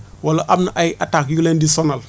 wala am na ay attaques yu leen di sonal